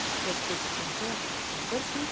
bir yuz o'ttiz yettinchi kundirki